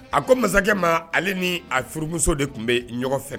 A ko masakɛ ma ale ni a furumuso de tun be ɲɔgɔn fɛ